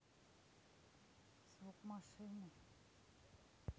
звук машины